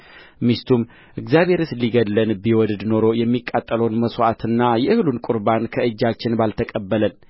እግዚአብሔርስ ሊገድለን ቢወድድ ኖሮ የሚቃጠለውን መሥዋዕትና የእህሉን ቍርባን ከእጃችን ባልተቀበለን